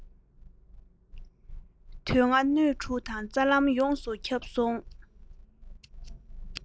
དོན ལྔ སྣོད དྲུག དང རྩ ལམ ཡོངས སུ ཁྱབ སོང